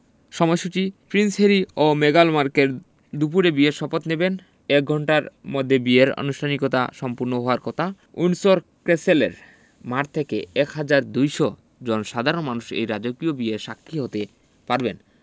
সময়সূচি prince Harry ও মেগান মার্কেল দুপুরে বিয়ের শপথ নেবেন এক ঘণ্টার মধ্যে বিয়ের আনুষ্ঠানিকতা সম্পন্ন হওয়ার কথা উইন্ডসর ক্যাসেলের মাঠ থেকে ১হাজার ২০০ জন সাধারণ মানুষ এই রাজকীয় বিয়ের সাক্ষী হতে পারবেন